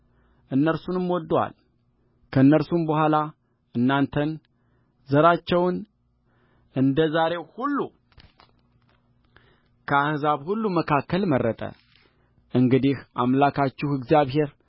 እነርሱንም ወድዶአል ከእነርሱም በኋላ እናንተን ዘራቸውን እንደ ዛሬው ሁሉ ከአሕዛብ ሁሉ መካከል መረጠ እንግዲህ አምላካችሁ እግዚአብሔር